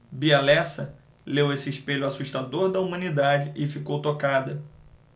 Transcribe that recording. bia lessa leu esse espelho assustador da humanidade e ficou tocada